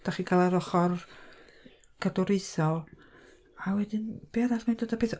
Dach chi'n cael yr ochr gadwriaethol. A wedyn, be' arall mae'n dod a peth-